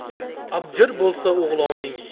abjir bo'lsa o'g'loning